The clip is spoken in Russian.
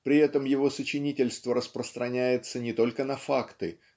При этом его сочинительство распространяется не только на факты